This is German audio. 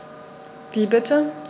Wie bitte?